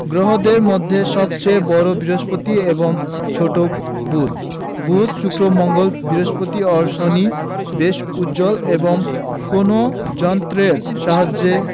গ্রহদের মধ্যে সবচেয়ে বড় বৃহস্পতি এবং ছোট বুধ বুধ শুক্র মঙ্গল বৃহস্পতি ও শনি বেশ উজ্জ্বল এবং কোনো যন্ত্রের সাহায্য